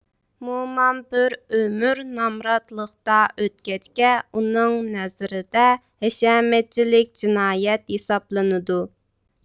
مومام بىر ئۆمۈر نامراتلىقتا ئۆتكەچكە ئۇنىڭ نەزىرىدە ھەشەمەتچىلىك جىنايەت ھېسابلىنىدۇ